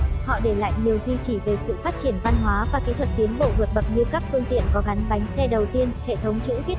họ để lại nhiều di chỉ về sự phát triển văn hóa và kỹ thuật tiến bộ vượt bậc như các phương tiện có gắn bánh xe đầu tiên hệ thống chữ viết hay các